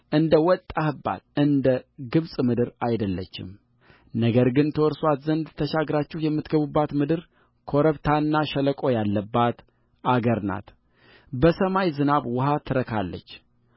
እንደ ወጣህባት እንደ ግብፅ ምድር አይደለችምነገር ግን ትወርሱአት ዘንድ ተሻግራችሁ የምትገቡባት ምድር ኮረብታና ሸለቆ ያለባት አገር ናት በሰማይ ዝናብ ውኃ ትረካለች